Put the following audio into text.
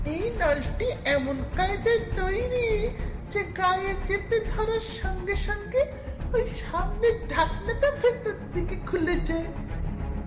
এই নলটি এমন কায়দায় তৈরি যে গায়ে চেপে ধরার সঙ্গে সঙ্গে ঐ সামনের ঢাকনাটা ভেতর দিকে খুলে যায়